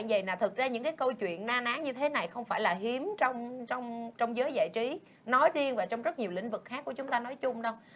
gì là thực ra những câu chuyện na ná như thế này không phải là hiếm trong trong trong giới giải trí nói riêng và trong rất nhiều lĩnh vực khác của chúng ta nói chung đâu